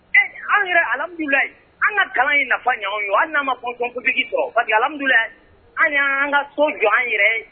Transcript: Ee an yɛrɛ alamilila an ka kalan in nafa ɲɔgɔn ye an n'an maontigi sɔrɔ ka alabulila an y' an ka so jɔ an yɛrɛ